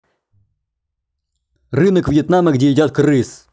рынок вьетнама где едят крыс